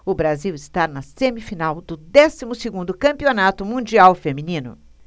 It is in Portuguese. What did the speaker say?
o brasil está na semifinal do décimo segundo campeonato mundial feminino